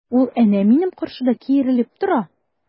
Ул әнә минем каршыда киерелеп тора!